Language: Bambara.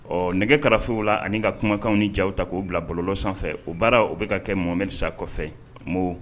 Ɔ nɛgɛ kɛrɛfɛfew la ani ka kumakanw ni ja ta k'o bila bolo sanfɛ o baara o bɛka ka kɛ momerisa kɔfɛ bon